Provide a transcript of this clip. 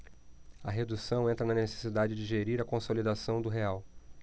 a redução entra na necessidade de gerir a consolidação do real